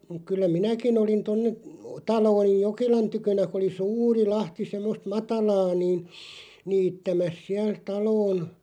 kyllä minäkin olin tuonne talo oli Jokelan tykönä kun oli suuri lahti semmoista matalaa niin niittämässä siellä taloon